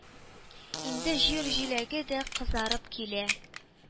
Инде җир җиләге дә кызарып килә.